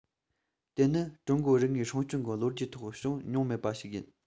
དེ ནི ཀྲུང གོའི རིག དངོས སྲུང སྐྱོང གི ལོ རྒྱུས ཐོག བྱུང མྱོང མེད པ ཞིག ཡིན